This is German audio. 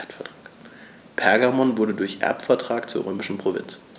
Pergamon wurde durch Erbvertrag zur römischen Provinz.